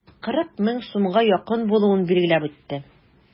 40 мең сумга якын булуын билгеләп үтте.